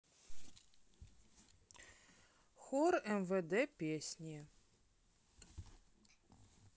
хор мвд песни